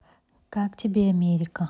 как тебе америка